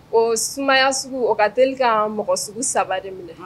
O sumaya sugu o ka delieli ka mɔgɔ sugu saba de minɛ